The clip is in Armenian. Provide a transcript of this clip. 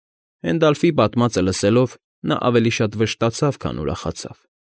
Հենդալֆի պատմածը լսելով՝ նա ավելի շատ վշտացավ, քան ուրախացավ։